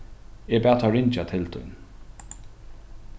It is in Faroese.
eg bað teir ringja til tín